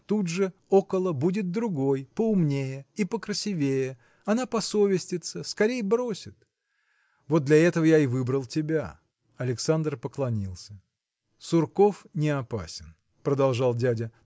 Тут же около будет другой, поумнее и покрасивее она посовестится, скорей бросит. Вот для этого я и выбрал тебя. Александр поклонился. – Сурков не опасен – продолжал дядя